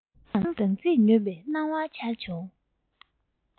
ཆང དང སྦྲང རྩིས མྱོས པའི སྣང བ འཆར བྱུང